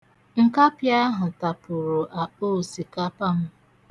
Nkapị ahụ tapuru akpa osikapa m.